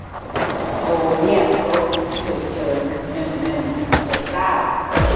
โทรเรียกรถฉุกเฉินหนึ่งหนึ่งหกเก้า